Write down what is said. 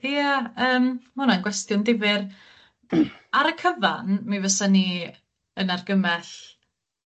Ia yym ma' wnna'n gwestiwn difyr ar y cyfan mi fysan ni yn argymell